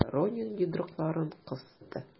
Доронин йодрыкларын кысты.